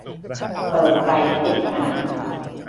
เปิดไฟติดผนัง